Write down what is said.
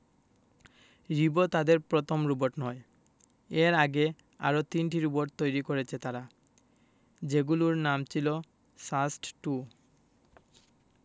রিবো তাদের প্রথম রোবট নয় এর আগে আরও তিনটি রোবট তৈরি করেছে তারা যেগুলোর নাম ছিল সাস্ট টু